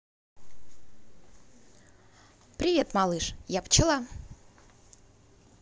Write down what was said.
привет малыш я пчела